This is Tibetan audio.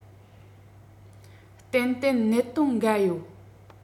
ཏན ཏན གནད དོན འགའ ཡོད